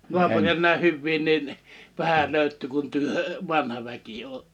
naapureita näin hyviä niin vähän löytyy kuin te vanha väki olette